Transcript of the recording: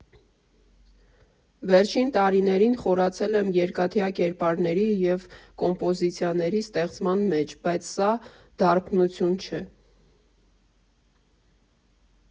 Վերջին տարիներին խորացել եմ երկաթյա կերպարների և կոմպոզիցիաների ստեղծման մեջ, բայց սա դարբնություն չէ։